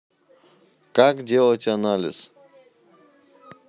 как делать анализ